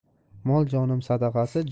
mol jonim sadag'asi